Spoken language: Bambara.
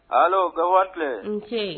Ala ka wari tile